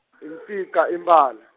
imfica Impala.